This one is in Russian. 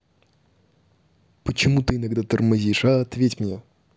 почему ты иногда тормозишь а ответь мне